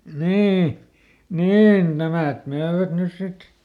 niin niin nämä myivät nyt sitten